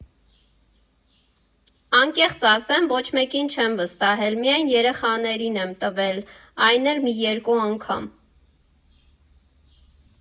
Անկեղծ ասեմ, ոչ մեկին չեմ վստահել, միայն երեխաներին եմ տվել, այն էլ մի երկու անգամ.